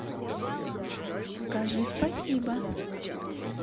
скажи спасибо